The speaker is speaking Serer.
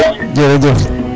jerejëf